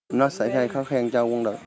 nó sẽ gây khó khăn cho quân đội